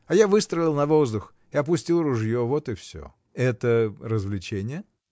А я выстрелил на воздух и опустил ружье — вот и всё. — Это. развлечение?